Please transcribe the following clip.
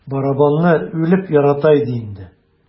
Барабанны үлеп ярата иде инде.